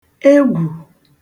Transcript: egwù